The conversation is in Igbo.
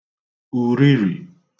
ùriri